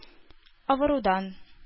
Авырудан